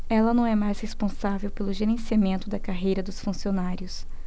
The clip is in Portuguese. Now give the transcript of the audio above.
ela não é mais responsável pelo gerenciamento da carreira dos funcionários